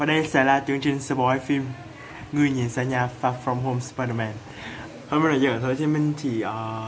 và đây sẽ là chương trình spoil film người nhện xa nhà far from home spider man nói giỡn thôi chơ mình chỉ